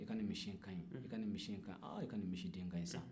i ka nin misi ka ɲi i ka nin misi ka ɲi aa i ka nin misiden ka ɲi sa